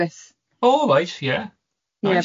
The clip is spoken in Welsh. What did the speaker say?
O reit ie, nice.